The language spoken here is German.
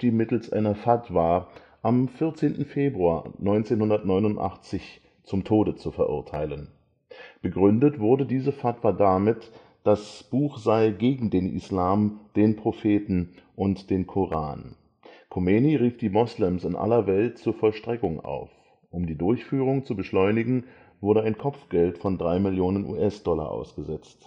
mittels einer Fatwa am 14. Februar 1989 zum Tode zu verurteilen. Begründet wurde diese Fatwa damit, das Buch sei „ gegen den Islam, den Propheten und den Koran “. Khomeini rief die Moslems in aller Welt zur Vollstreckung auf. Um die Durchführung zu beschleunigen, wurde ein Kopfgeld von drei Millionen US-Dollar ausgesetzt